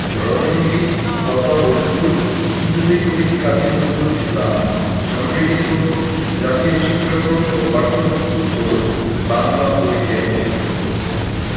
রন সঙ্গীত কথা ও সুর বিদ্রোহী কবি কাজী নজরুল ইসলাম সংগৃহীত জাতীয় শিক্ষাক্রম ও পাঠ্যপুস্তক বোর্ড বাংলা বই এর অন্তর্ভুক্ত